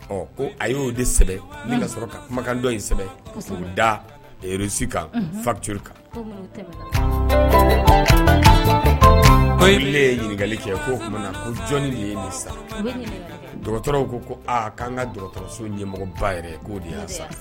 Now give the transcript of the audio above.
Ɔ ko a y'o de sɛ ka sɔrɔ ka kumakandɔ in sɛ k' darusi kan fa curu kan kolen ye ɲininkakali kɛ' oumana jɔn de ye nin sa dɔgɔtɔrɔw ko ko aa k'an ka dɔgɔtɔrɔso ɲɛmɔgɔ ba yɛrɛ k'o de sa